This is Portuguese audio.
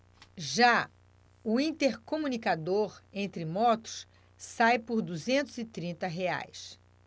já o intercomunicador entre motos sai por duzentos e trinta reais